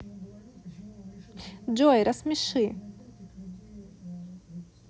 джой рассмеши